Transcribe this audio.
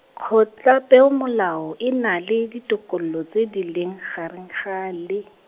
Kgotlapeomolao e na le ditokololo tse di leng gare ga le.